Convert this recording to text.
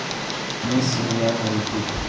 мы семья на ютуб